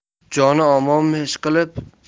joni omonmi ishqilib